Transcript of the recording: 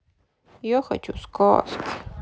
я хочу сказки